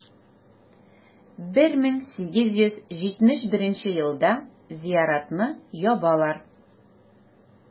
1871 елда зыяратны ябалар.